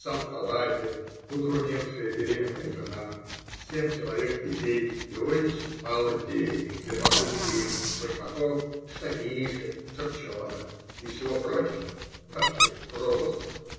сам в халате, подурневшая беременная жена, семь человек детей и очень мало денег для покупки им башмаков, штанишек, шапчонок и всего прочего. Вообще, проза.